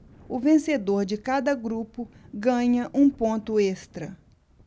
o vencedor de cada grupo ganha um ponto extra